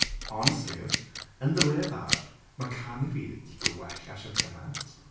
Honestly, yn ddiweddar ma' canu fi di gwella shwt gymaint